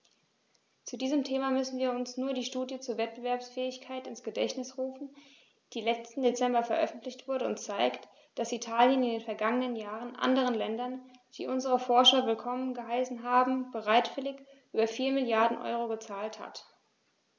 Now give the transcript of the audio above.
Zu diesem Thema müssen wir uns nur die Studie zur Wettbewerbsfähigkeit ins Gedächtnis rufen, die letzten Dezember veröffentlicht wurde und zeigt, dass Italien in den vergangenen Jahren anderen Ländern, die unsere Forscher willkommen geheißen haben, bereitwillig über 4 Mrd. EUR gezahlt hat.